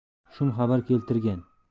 shum xabar keltirgan